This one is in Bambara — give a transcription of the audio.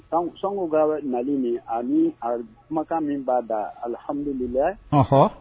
Sɔnko'raba nali min ani a kumakan min b'a da alihammiduli